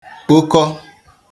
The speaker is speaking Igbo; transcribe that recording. kpokọ̄